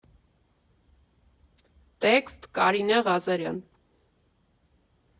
Տեսքստ՝ Կարինե Ղազարյան։